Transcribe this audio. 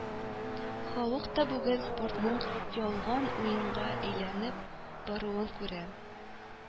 Халык та бүген спортның ялган уенга әйләнеп баруын күрә